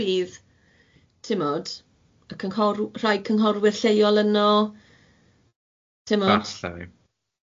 bydd ti'mod y cynghorw- rhai cynghorwyr lleol yno ti'mod?